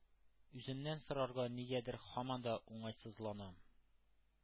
Үзеннән сорарга нигәдер һаман да уңайсызланам.